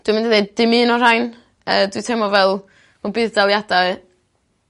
Dwi'n myn' i ddeud dim un o'r rhain yy dwi teimlo fel bo' budd daliadau